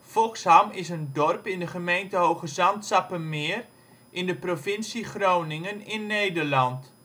Foxham is een dorp in de gemeente Hoogezand-Sappemeer in de provincie Groningen in Nederland